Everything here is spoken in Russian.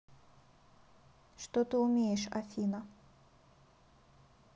что ты умеешь афина